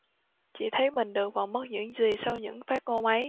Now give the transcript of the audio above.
chị thấy mình được và mất những gì sau những phát ngôn ấy